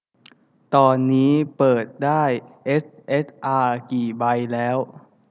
ตอนนี้เปิดได้เอสเอสอากี่ใบแล้ว